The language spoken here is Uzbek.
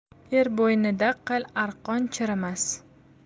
er bo'ynida qil arqon chirimas